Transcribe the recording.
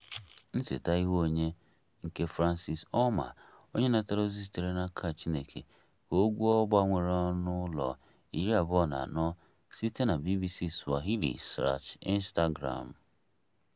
Nsetaihuenyo nke Francis Ouma, onye natara ozi sitere n'aka Chineke ka ọ gwuo ọgba nwere ọnụ ụlọ iri abụọ na anọ site na BBC Swahili / Instagram.